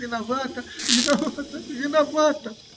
виновата, виновата, виновата.